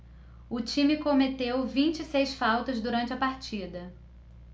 o time cometeu vinte e seis faltas durante a partida